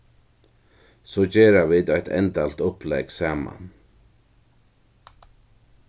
so gera vit eitt endaligt upplegg saman